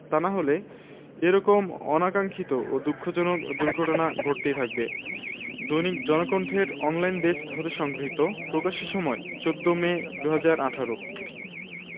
তা না হলে এ রকম অনাকাংক্ষিত ও দুঃখজনক দুর্ঘটনা ঘটতেই থাকবে দৈনিক জনকণ্ঠের অনলাইন ডেস্ক হতে সংগৃহীত প্রকাশের সময় ১৪ মে ২০১৮